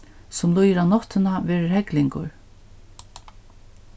sum líður á náttina verður heglingur